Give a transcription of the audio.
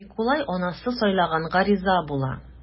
Микулай анасы сайлаганга риза була.